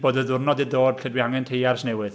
Bod y diwrnod 'di dod lle dwi angen teiars newydd.